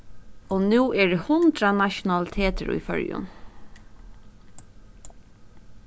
og nú eru hundrað nationalitetir í føroyum